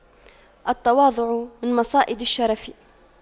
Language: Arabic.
التواضع من مصائد الشرف